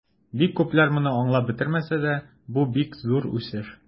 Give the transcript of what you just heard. Бик күпләр моны аңлап бетермәсә дә, бу бик зур үсеш.